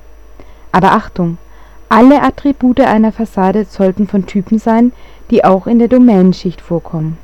Aber Achtung: alle Attribute einer Fassade sollten von Typen sein, die auch in der Domänenschicht vorkommen